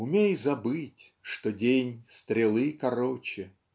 Умей забыть, что день - стрелы короче.